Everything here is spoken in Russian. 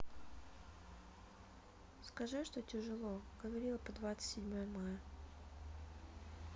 скажи что тяжело говорила по двадцать седьмое мая